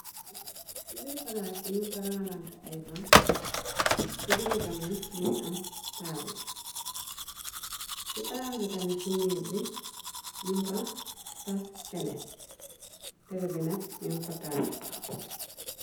Ci bi palaas bi ñum fa rangalant ay baŋ ci digg ban mingi am taaba ci palaas bi tami ci miir bi ñum fa taftele bi nek ñuñ ko taak.